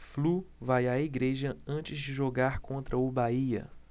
flu vai à igreja antes de jogar contra o bahia